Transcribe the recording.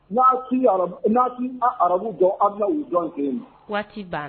N'a arabu n'a ararbu jɔ abu uu jɔn kelen waati ban